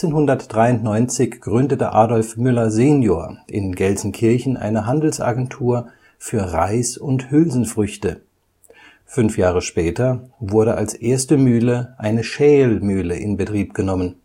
1893 gründete Adolf Müller senior in Gelsenkirchen eine Handelsagentur für Reis und Hülsenfrüchte, fünf Jahre später wurde als erste Mühle eine Schälmühle in Betrieb genommen